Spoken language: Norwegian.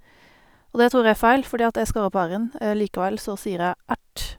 Og det tror jeg er feil, fordi at jeg skarrer på r-en, likevel så sier jeg ert.